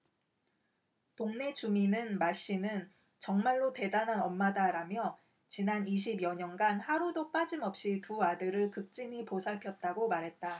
동네 주민은 마씨는 정말로 대단한 엄마다라며 지난 이십 여년간 하루도 빠짐없이 두 아들을 극진히 보살폈다고 말했다